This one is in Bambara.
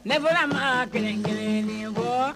Ne fɔra ma kelen kelen kɔ